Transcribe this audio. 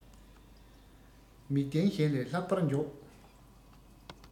མིག ལྡན གཞན ལས ལྷག པར མགྱོགས